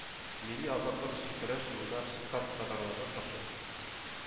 Милли азатлык өчен көрәш юлына чыккан татарларга каршы